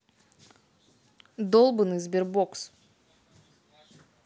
долбаный sberbox